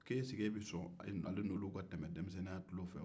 ke ɛsike e bɛ sɔn ale ni oluw ka tɛmɛ denmisenninya tulon fɛ wa